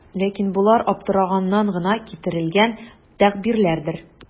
Ләкин болар аптыраганнан гына китерелгән тәгъбирләрдер.